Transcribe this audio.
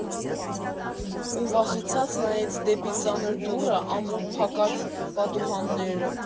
Ու վախեցած նայեց դեպի ծանր դուռը, ամուր փակած պատուհանները։